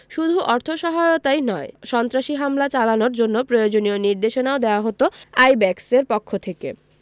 শুধু অর্থসহায়তাই নয় সন্ত্রাসী হামলা চালানোর জন্য প্রয়োজনীয় নির্দেশনাও দেওয়া হতো আইব্যাকসের পক্ষ থেকে